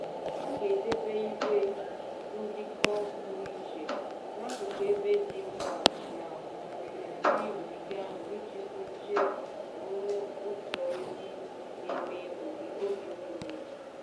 A ga-edebe igwe ndekọ pụrụ iche n’akụkụ ebe dị mkpa n’okirikiri ogige ahụ iji sochie omume ụsụ ndị a n’ime oge niile.